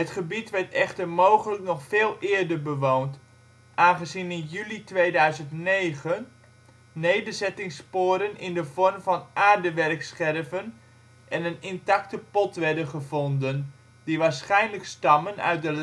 gebied werd echter mogelijk nog veel eerder bewoond, aangezien in juli 2009 nederzettingssporen in de vorm van aardewerkscherven en een intacte pot werden gevonden, die waarschijnlijk stammen uit de